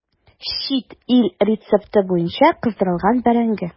Чит ил рецепты буенча кыздырылган бәрәңге.